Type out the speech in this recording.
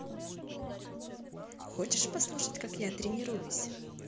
хочешь послушать как я тренируюсь